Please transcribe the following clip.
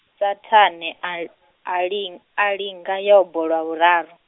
Saṱhane a, a lin-, a linga Yobo lwa vhuraru.